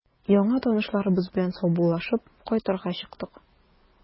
Яңа танышларыбыз белән саубуллашып, кайтырга чыктык.